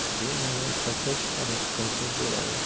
bemalol topib xarid qilsa bo'ladi